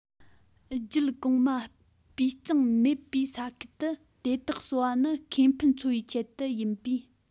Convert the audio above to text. རྒྱུད གོང མ སྤུས གཙང མེད པའི ས ཁུལ དུ དེ དག གསོ བ ནི ཁེ ཕན འཚོལ བའི ཆེད དུ ཡིན པས